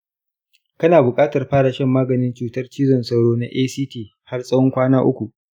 kana bukatar fara shan maganin cutar cizon sauro na act har tsawon kwana uku.